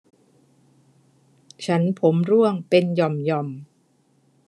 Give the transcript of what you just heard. ฉันผมร่วงเป็นหย่อมหย่อม